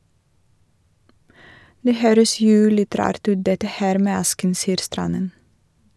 - Det høres jo litt rart ut dette her med asken, sier Stranden.